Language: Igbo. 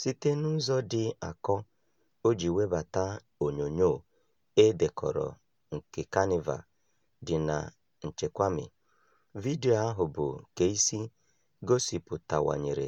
Site n'ụzọ dị akọ o ji webata onyoonyo e dekọrọ nke Kanịva dị na nchekwami, vidiyo ahụ bụ keisi gosipụtawanyere